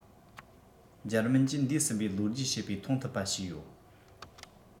འཇར མན གྱིས འདས ཟིན པའི ལོ རྒྱུས བྱེད པའི མཐོང ཐུབ པ བྱས ཡོད